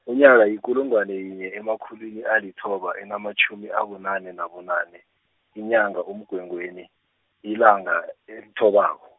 unyaka yikulungwana yinye emakhulwini alithoba enamatjhumi abunane nabunane, inyanga uMgwengweni, ilanga elithobako.